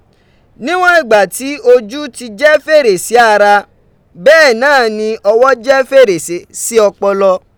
Níwọ̀n ìgbà tí ojú ti jẹ́ fèrèsé ara, bẹ́ẹ̀ náà ni ọwọ́ jẹ́ fèrèsé sí ọpọlọ.